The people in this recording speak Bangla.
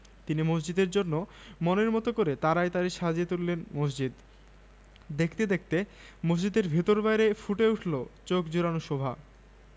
তিনি মসজিদের জন্যে মনের মতো করে তারায় তারায় সাজিয়ে তুললেন মসজিদ দেখতে দেখতে মসজিদের ভেতরে বাইরে ফুটে উঠলো চোখ জুড়োনো শোভা